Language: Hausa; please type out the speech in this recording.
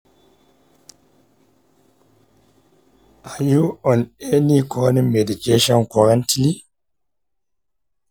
are you on any chronic medications currently?